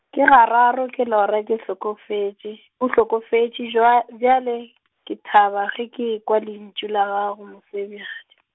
ke gararo ke lora ke hlokofetše, o hlokofetše jwa- bjale , ke thaba ge ke ekwa lentšu la gago Mosebjadi.